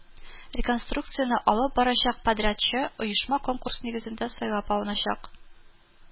Реконструкцияне алып барачак подрядчы оешма конкурс нигезендә сайлап алыначак